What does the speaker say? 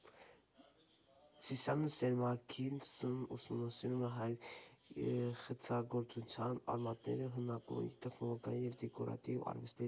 «Սիսիան սերամիքսն» ուսումնասիրում է հայ խեցեգործության արմատները, հնագույն տեխնոլոգիաները և դեկորատիվ արվեստի տեսակները։